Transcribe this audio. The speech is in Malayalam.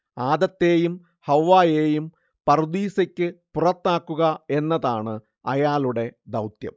ആദത്തേയും ഹവ്വായേയും പറുദീസയ്ക്ക് പുറത്താക്കുക എന്നതാണ് അയാളുടെ ദൗത്യം